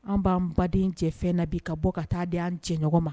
An b'an baden cɛ fɛn na bi ka bɔ ka taa di an cɛ ɲɔgɔn ma